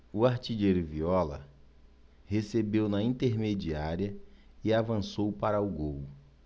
o artilheiro viola recebeu na intermediária e avançou para o gol